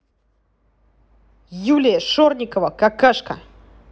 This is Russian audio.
юлия шорникова какашка